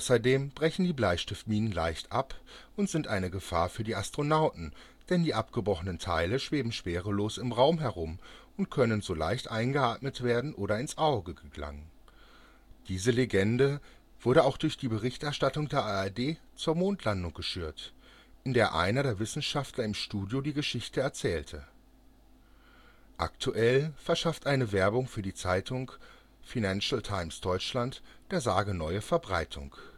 Außerdem brechen die Bleistiftminen leicht ab und sind eine Gefahr für die Astronauten, denn die abgebrochenen Teile schweben schwerelos im Raum herum und können so leicht eingeatmet werden oder ins Auge gelangen. Diese Legende wurde auch durch die Berichterstattung der ARD zur Mondlandung geschürt, in der einer der Wissenschaftler im Studio die Geschichte erzählte. Aktuell verschafft eine Werbung für die Zeitung " Financial Times Deutschland " der Sage neue Verbreitung